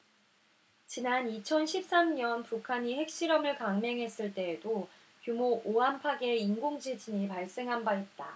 지난 이천 십 삼 년 북한이 핵실험을 감행했을 때에도 규모 오 안팎의 인공지진이 발생한 바 있다